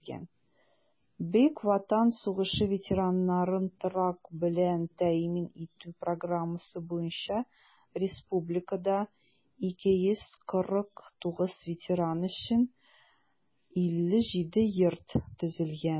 Бөек Ватан сугышы ветераннарын торак белән тәэмин итү программасы буенча республикада 249 ветеран өчен 57 йорт төзелгән.